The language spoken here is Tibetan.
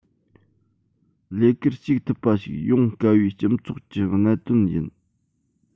ལས ཀར ཞུགས ཐུབ པ ཞིག ཡོང དཀའ བའི སྤྱི ཚོགས ཀྱི གནད དོན ཡིན